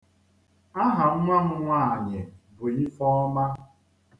Aha nwa m nwaanyị bụ Ifeọma.